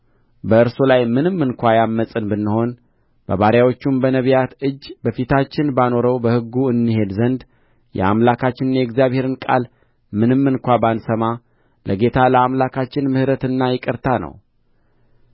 በእርሱ ላይ ምንም እንኳ ያመፅን ብንሆን በባሪያዎቹም በነቢያት እጅ በፊታችን ባኖረው በሕጉ እንሄድ ዘንድ የአምላካችንን የእግዚአብሔርን ቃል ምንም እንኳ ባንሰማ ለጌታ ለአምላካችን ምሕረትና ይቅርታ ነው